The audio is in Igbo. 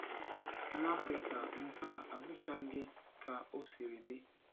N'Afrịka, nke a abụchaghị ka o siri dị.